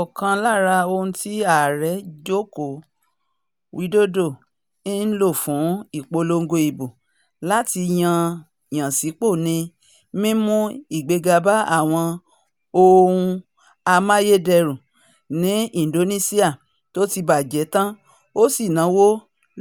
Ọ̀kan lára ohun tí Ààrẹ Joko Widodo ń lò fún ìpolongo ìbò láti yan án sípò ni mímú ìgbéga bá àwọn ohun amáyédèrú ní Indonesia tó ti bàjẹ́ tán, ó sì náwó